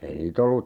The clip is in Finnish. ei niitä ollut